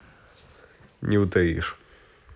не утаишь